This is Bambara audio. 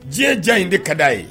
Diɲɛ ja in de ka di a ye